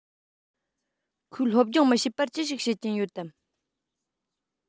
ཁོས སློབ སྦྱོང མི བྱེད པར ཅི ཞིག བྱེད ཀྱིན ཡོད དམ